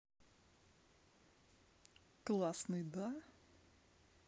классный да